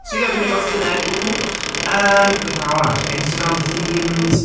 So, ie fi'n mynd i gael skinhead, woop woop! Yym beth arall? Instagram themes!